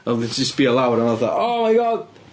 A wedyn ti sbio lawr a fatha Oh my God!